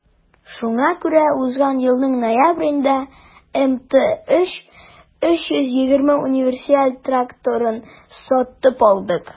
Шуңа күрә узган елның ноябрендә МТЗ 320 универсаль тракторын сатып алдык.